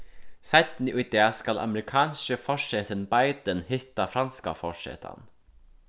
seinni í dag skal amerikanski forsetin biden hitta franska forsetan